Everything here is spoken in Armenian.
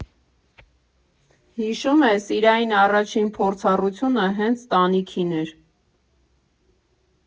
Հիշում է՝ սիրային առաջին փորձառությունը հենց տանիքին էր։